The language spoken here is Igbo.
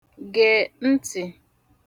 gè ntị̀